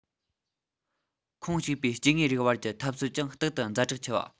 ཁོངས གཅིག པའི སྐྱེ དངོས རིགས བར གྱི འཐབ རྩོད ཀྱང རྟག ཏུ ཛ དྲག ཆེ བ